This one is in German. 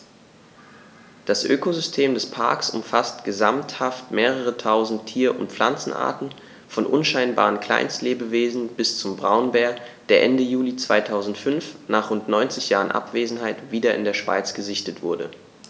Das Ökosystem des Parks umfasst gesamthaft mehrere tausend Tier- und Pflanzenarten, von unscheinbaren Kleinstlebewesen bis zum Braunbär, der Ende Juli 2005, nach rund 90 Jahren Abwesenheit, wieder in der Schweiz gesichtet wurde.